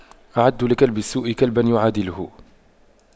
أعدّوا لكلب السوء كلبا يعادله